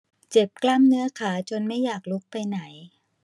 เจ็บกล้ามเนื้อขาจนไม่อยากลุกไปไหน